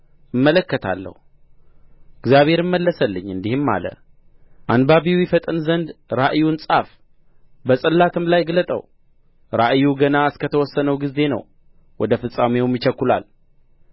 እመለከታለሁ እግዚአብሔርም መለሰልኝ እንዲህም አለ አንባቢው ይፈጥን ዘንድ ራእዩን ጻፍ በጽላትም ላይ ግለጠው ራእዩ ገና እስከ ተወሰነው ጊዜ ነው ወደ ፍጻሜውም ይቸኵላል